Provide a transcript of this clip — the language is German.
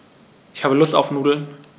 Ich habe Lust auf Nudeln.